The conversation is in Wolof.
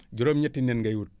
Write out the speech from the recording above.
juróom-ñetti nen ngay wut